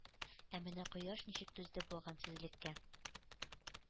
Ә менә Кояш ничек түзде бу гамьсезлеккә?